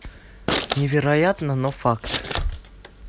невероятно но факт